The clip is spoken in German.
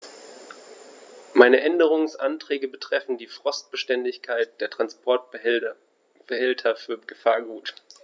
Meine Änderungsanträge betreffen die Frostbeständigkeit der Transportbehälter für Gefahrgut.